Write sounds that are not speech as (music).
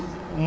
(hesitation)